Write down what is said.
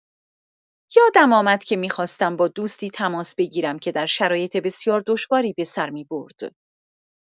یادم آمد که می‌خواستم با دوستی تماس بگیرم که در شرایط بسیار دشواری به سر می‌برد.